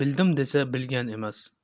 bildim desa bilgan emas